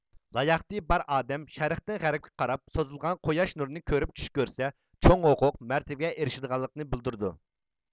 لاياقىتى بار ئادەم شەرقتىن غەربكە قاراپ سوزۇلغان قوياش نۇرىنى كۆرۈپ چۈش كۆرسە چوڭ ھوقوق مەرتىۋىگە ئېرىشىدىغانلىقىنى بىلدۈرىدۇ